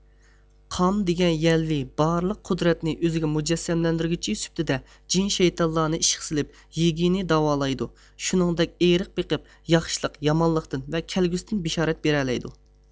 قام دىگەن يەلۋې بارلىق قۇدرەتنى ئۆزىگە مۇجەسسەملەندۈرگۈچى سۈپىتىدە جىن شەيتانلارنى ئىشقا سىلىپ يېگنى داۋالايدۇ شۇنىڭدەك ئېرق بىقىپ ياخشىلىق يامانلىقتىن ۋە كەلگۈسىدىن بېشارەت بېرەلەيدۇ